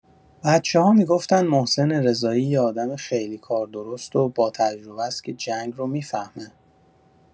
بچه‌ها می‌گفتن محسن رضایی یه آدم خیلی کاردرست و با تجربه‌س که جنگ رو می‌فهمه.